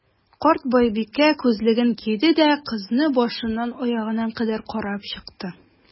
Карт байбикә, күзлеген киде дә, кызны башыннан аягына кадәр карап чыкты.